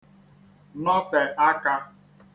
nọtè akā